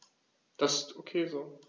Das ist ok so.